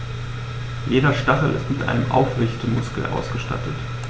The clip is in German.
Jeder Stachel ist mit einem Aufrichtemuskel ausgestattet.